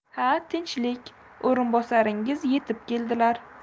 ha tinchlik o'rinbosaringiz yetib keldilar